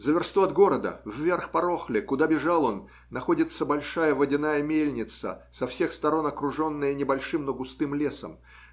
За версту от города, вверх по Рохле, куда бежал он, находится большая водяная мельница, со всех сторон окруженная небольшим, но густым лесом